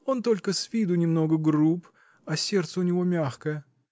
-- Он только с виду немного груб, а сердце у него мягкое.